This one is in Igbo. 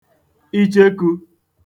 ìchekū